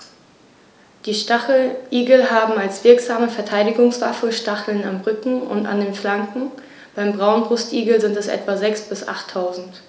Die Stacheligel haben als wirksame Verteidigungswaffe Stacheln am Rücken und an den Flanken (beim Braunbrustigel sind es etwa sechs- bis achttausend).